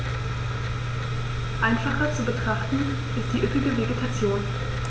Einfacher zu betrachten ist die üppige Vegetation.